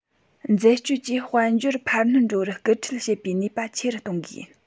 འཛད སྤྱོད ཀྱིས དཔལ འབྱོར འཕར སྣོན འགྲོ བར སྐུལ ཁྲིད བྱེད པའི ནུས པ ཆེ རུ གཏོང དགོས